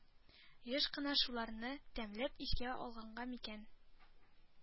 Еш кына шуларны тәмләп искә алганга микән,